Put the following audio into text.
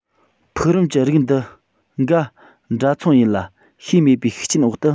ཕུག རོན གྱི རིགས འདི འགའ འདྲ མཚུངས ཡིན ལ ཤེས མེད པའི ཤུགས རྐྱེན འོག ཏུ